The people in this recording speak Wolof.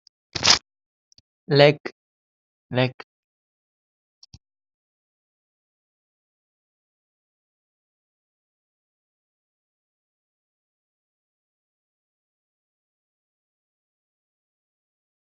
Lekk, lekk.